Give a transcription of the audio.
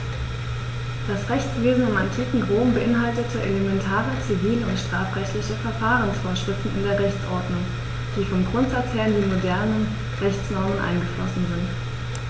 Das Rechtswesen im antiken Rom beinhaltete elementare zivil- und strafrechtliche Verfahrensvorschriften in der Rechtsordnung, die vom Grundsatz her in die modernen Rechtsnormen eingeflossen sind.